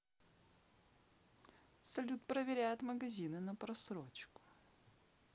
салют проверяет магазины на просрочку